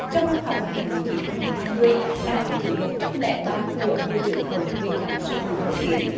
trong năm học hai nghìn mười chín hai nghìn hai mươi năm học thứ một trăm lẻ ba của ngôi trường hồng bên dòng sông hương nổi tiếng